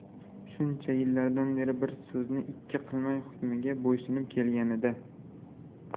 shuncha yillardan beri bir so'zini ikki qilmay hukmiga bo'ysunib kelganidi